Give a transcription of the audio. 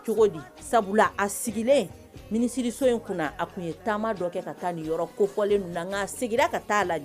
Sabula sigilensiri in a tun ye taama kɛ ka taa yɔrɔ kofɔlen nana sigira ka taa lajɛ